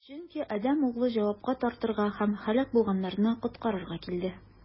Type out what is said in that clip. Чөнки Адәм Углы җавапка тартырга һәм һәлак булганнарны коткарырга килде.